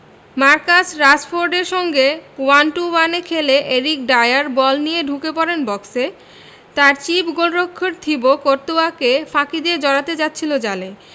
Marcus রাশফোর্ডের সঙ্গে one two ওয়ানে খেলে এরিক ডায়ার বল নিয়ে ঢুকে পড়েন বক্সে তাঁর চিপ গোলরক্ষক থিবো কর্তোয়াকে ফাঁকি দিয়ে জড়াতে যাচ্ছিল জালে